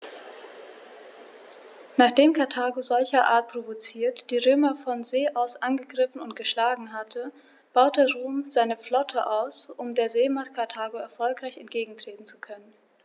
Nachdem Karthago, solcherart provoziert, die Römer von See aus angegriffen und geschlagen hatte, baute Rom seine Flotte aus, um der Seemacht Karthago erfolgreich entgegentreten zu können.